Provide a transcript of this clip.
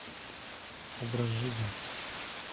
образ жизни